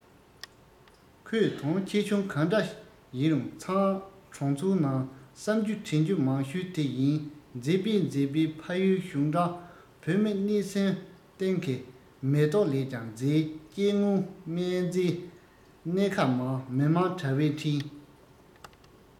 ཁོས དོན ཆེ ཆུང གང འདྲ ཡིན རུང ཚང གྲོང ཚོའི ནང བསམ རྒྱུ དྲན རྒྱུ མང ཤོས དེ ཡིན མཛེས བའི མཛེས བའི ཕ ཡུལ ཞུང དྲང བོད མི གནད སེམ ཏིང གི མེ ཏོག ལས ཀྱང མཛེས སྐྱེ དངོས རྨན རྫས སྣེ ཁ མང མི དམངས དྲ བའི འཕྲིན